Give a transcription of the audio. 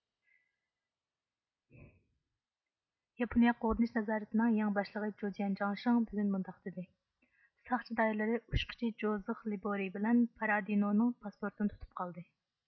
ياپونىيە قوغدىنىش نازارىتىنىڭ يېڭى باشلىقى جۇجىيەن جاڭشېڭ بۈگۈن مۇنداق دېدى ساقچى دائىرلىرى ئۇچقۇچى جوزېغ لېبورى بىلەن پارادىنونىڭ پاسپورتىنى تۇتۇپ قالدى